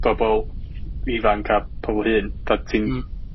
bobol ifanc a pobol hŷn, 'tha ti'n... Hmm.